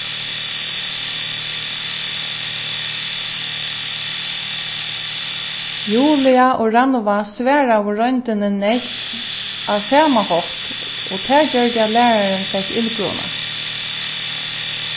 julia og rannvá svaraðu royndini nett á sama hátt og tað gjørdi at lærarin fekk illgruna